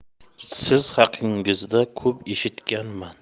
siz haqingizda ko'p eshitganman